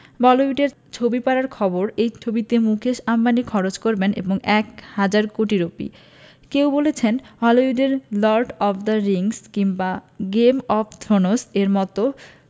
বলিউডের ছবিপাড়ার খবর এই ছবিতে মুকেশ আম্বানি খরচ করবেন এক হাজার কোটি রুপি কেউ কেউ বলছেন হলিউডের লর্ড অব দ্য রিংস কিংবা গেম অব থ্রোনস এর মতো